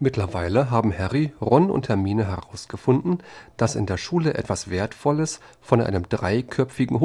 Mittlerweile haben Harry, Ron und Hermine herausgefunden, dass in der Schule etwas Wertvolles von einem dreiköpfigen